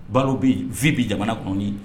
Balo bɛ yen v bɛ jamana kɔniɔni